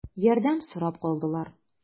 Ярдәм сорап калдылар.